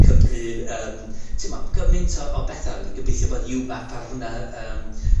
Cymru yym, t'mo', gymaint o o betha, rili. Gobeithio bod you map ar hwnna, yym,